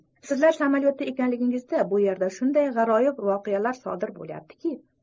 sizlar samolyotda ekanligingizda bu yerda shunday g'aroyib voqealar sodir bo'layaptiki